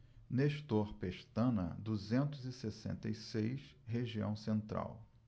nestor pestana duzentos e sessenta e seis região central